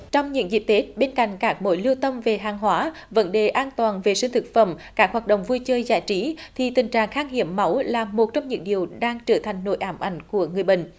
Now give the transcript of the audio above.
trong những dịp tết bên cạnh các buổi lưu tâm về hàng hóa vấn đề an toàn vệ sinh thực phẩm các hoạt động vui chơi giải trí thì tình trạng khan hiếm máu là một trong những điều đang trở thành nỗi ám ảnh của người bệnh